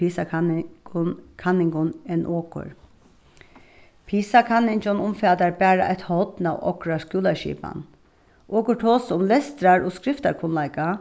pisa-kanningum kanningum enn okur pisa-kanningin umfatar bara eitt horn av okra skúlaskipan okur tosa um lestrar- og skriftarkunnleika